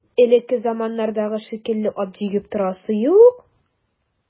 Элекке заманнардагы шикелле ат җигеп торасы юк.